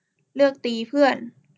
เลือกตีเพื่อน